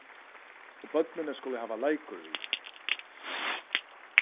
og børnini skulu hava leikur við